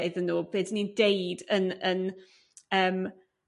iddyn nhw be' dyn ni'n deud yn yn yrm